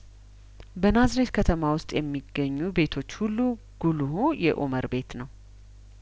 በናዝሬት ከተማ ውስጥ የሚገኙ ቤቶች ሁሉ ጉልሁ የኡመር ቤት ነው